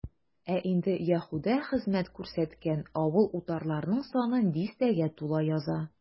Ә инде Яһүдә хезмәт күрсәткән авыл-утарларның саны дистәгә тула яза.